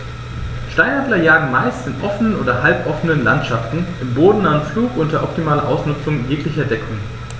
Steinadler jagen meist in offenen oder halboffenen Landschaften im bodennahen Flug unter optimaler Ausnutzung jeglicher Deckung.